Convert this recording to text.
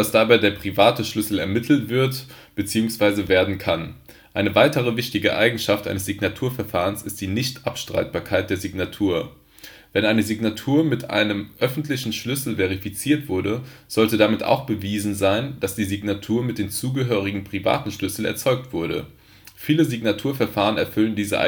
dabei der private Schlüssel ermittelt wird bzw. werden kann. Eine weitere wichtige Eigenschaft eines Signaturverfahrens ist die Nichtabstreitbarkeit der Signatur (engl. Non-repudiation). Wenn eine Signatur mit einem öffentlichen Schlüssel verifiziert wurde, sollte damit auch bewiesen sein, dass die Signatur mit dem zugehörigen privaten Schlüssel erzeugt wurde. Viele Signaturverfahren erfüllen diese